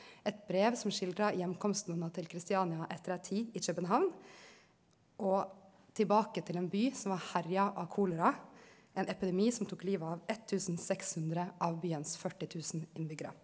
eit brev som skildra attkoma hennar til Christiania etter ei tid i København og tilbake til ein by som var herja av kolera, ein epidemi som tok livet av 1600 av byens 40000 innbyggarar.